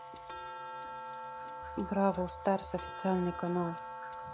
бравл старз официальный канал